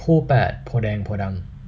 คู่แปดโพธิ์แดงโพธิ์ดำ